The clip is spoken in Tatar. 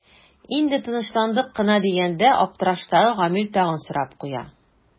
Инде тынычландык кына дигәндә аптыраштагы Гамил тагын сорап куя.